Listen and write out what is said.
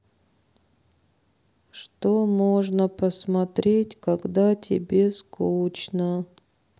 что можно посмотреть когда тебе скучно